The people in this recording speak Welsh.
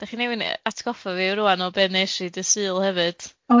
Dach chi newy'n atgoffa fi rŵan o be nesh i dy' Sul hefyd?